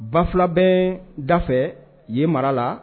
Baula bɛ da fɛ ye mara la